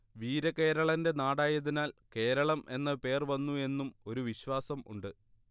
വീരകേരളന്റെ നാടായതിനാൽ കേരളം എന്ന പേർ വന്നു എന്നും ഒരു വിശ്വാസം ഉണ്ട്